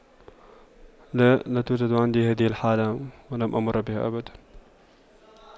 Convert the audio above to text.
لا لا توجد عندي هذه الحالة ولم أمر بها أبدا